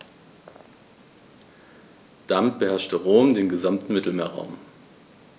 Damit beherrschte Rom den gesamten Mittelmeerraum.